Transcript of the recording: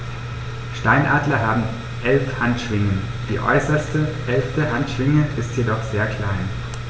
Steinadler haben 11 Handschwingen, die äußerste (11.) Handschwinge ist jedoch sehr klein.